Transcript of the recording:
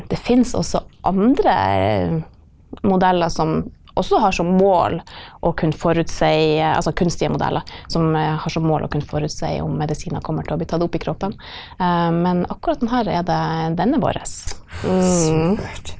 det fins også andre modeller som også har som mål å kunne forutsi, altså kunstige modeller som har som mål å kunne forutsi om medisiner kommer til å bli tatt opp i kroppen, men akkurat den her er det den er vår .